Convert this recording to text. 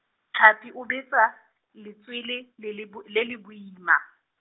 Tlhapi o betsa, letswele, le le bo-, le le boima.